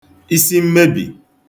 isi mmebì